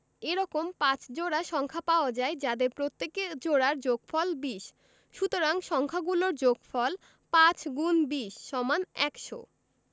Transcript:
এরকম ৫ জোড়া সংখ্যা পাওয়া যায় যাদের প্রত্যেক জোড়ার যোগফল ২০ সুতরাং সংখ্যা গুলোর যোগফল ৫*২০=১০০